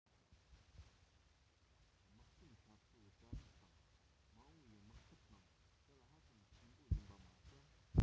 དམག དོན འཐབ རྩོད གྲ སྒྲིག དང མ འོངས པའི དམག འཐབ ནང གལ ཧ ཅང ཆེན པོ ཡིན པ མ ཟད